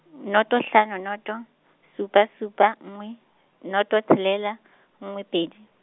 noto hlano noto, supa supa nngwe, noto tshelela, nngwe pedi.